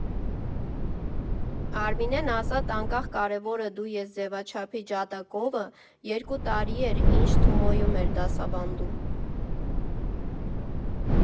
Արմինեն՝ ազատ֊անկախ՝ «կարևորը դու ես» ձևաչափի ջատագովը, երկու տարի էր, ինչ Թումոյում էր դասավանդում։